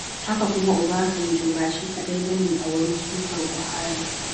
Haka kuma Obasanjo ba shi kaɗai ba ne a wurin sukar Buhari.